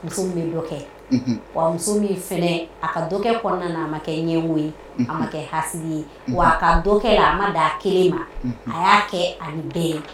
Muso kɛ wa muso min a ka kɔnɔna a ma kɛ ɲɛwo ye a ma kɛ ha ye wa a ka la a ma d a kelen ma a y'a kɛ an bɛɛ ye